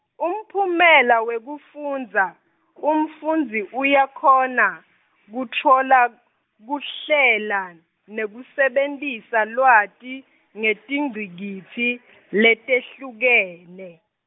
umphumela wekufundza, umfundzi uyakhona , kutfola, kuhlela n-, nekusebentisa lwati, ngetingcikitsi, letehlukene.